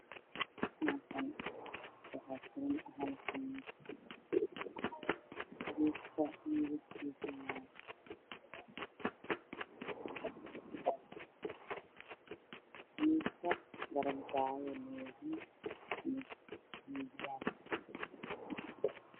Halkaan waxaa suran hal qamiis oo ah qamiis sacuudiyaan.